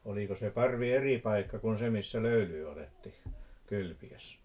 oliko se parvi eri paikka kuin se missä löylyä otettiin kylpiessä